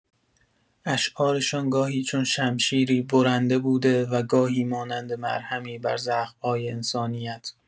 اشعارشان گاهی چون شمشیری برنده بوده و گاهی مانند مرهمی بر زخم‌های انسانیت.